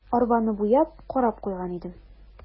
Арбаны буяп, карап куйган идем.